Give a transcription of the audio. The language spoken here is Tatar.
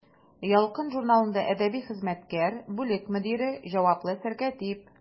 «ялкын» журналында әдәби хезмәткәр, бүлек мөдире, җаваплы сәркәтиб.